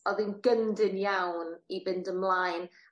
o'dd 'i'n gyndyn iawn i fynd ymlaen